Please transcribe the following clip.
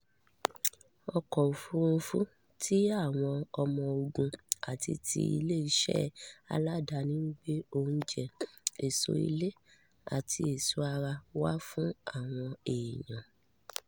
Ọkọ̀-òfúrufú ti àwọn ọmọ-ogun àti ti ilé-iṣẹ́ aládàáni ń gbé oúnjẹ, ẹ̀ṣọ́ ilé àti ẹ̀ṣọ́ ara wá fún àwọn èèyàn.